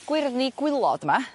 gwyrddni gwilod 'ma